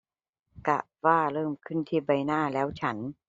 กระฝ้าเริ่มขึ้นที่ใบหน้าแล้วฉัน